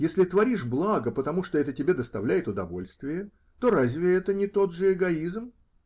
Если творишь благо потому, что это тебе доставляет удовольствие, то разве это не тот же эгоизм?